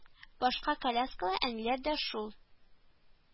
Башка коляскалы әниләр дә шул